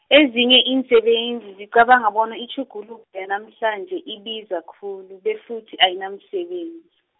ezinye iinsebenzi zicabanga bona itjhuguluko yanamhlanje ibiza khulu, befuthi ayinamsebenzi.